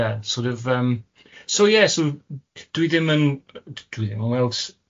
yeah sort of yym. So yeah so dwi ddim yn dw- dwi ddim yn weld s-